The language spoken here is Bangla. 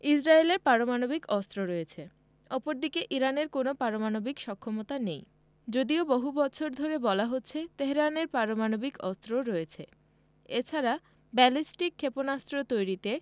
ইসরায়েলের পারমাণবিক অস্ত্র রয়েছে অপরদিকে ইরানের কোনো পারমাণবিক সক্ষমতা নেই যদিও বহু বছর ধরে বলা হচ্ছে তেহরানের পারমাণবিক অস্ত্র রয়েছে এ ছাড়া ব্যালিস্টিক ক্ষেপণাস্ত্র তৈরিতে